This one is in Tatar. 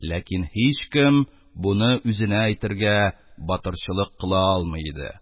Ләкин һичкем буны үзенә әйтергә батырчылык кыла алмый иде.